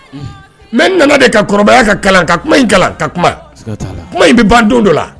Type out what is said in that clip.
N nana de ka kɔrɔbayaya ka kalan ka kuma in kalan ka kuma kuma in bɛ ban don dɔ la